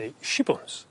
neu shibwns